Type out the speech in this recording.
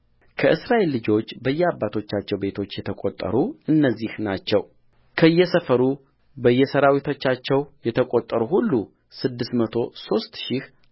ከእስራኤል ልጆች በየአባቶቻቸው ቤቶች የተቈጠሩ እነዚህ ናቸው ከየሰፈሩ በየሠራዊቶቻቸው የተቈጠሩ ሁሉ ስድስት መቶ ሦስት ሺህ